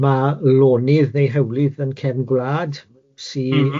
ma' lonydd neu hewlydd yn cefn gwlad sydd... M-hm.